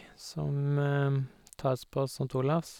Som taes på Sankt Olavs.